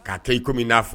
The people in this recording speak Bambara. K kaa kɛ iko min n'a fɔ